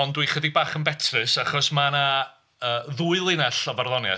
Ond dwi chydig bach yn betrus achos ma' 'na yy ddwy linell o farddoniaeth.